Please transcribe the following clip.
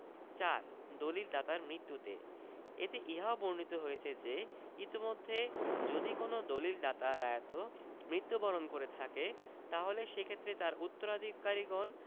৪ দলিল দাতার মৃত্যুতে এতে ইহাও বর্ণিত হয়েছে যে ইতমধ্যে যদি কোন দলিলদাতা রায়ত মৃত্যুবরণ করে থাকে তাহলে সেক্ষেত্রে তার উত্তরাধিকারীগণ